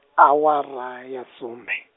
awara, ya sumbe.